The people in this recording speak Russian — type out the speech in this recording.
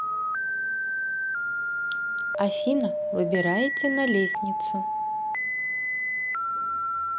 афина выбираете на лестницу